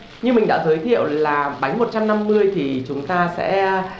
như mình đã giới thiệu là bánh một trăm năm mươi thì chúng ta sẽ